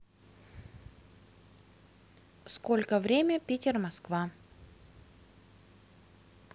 сколько время питер москва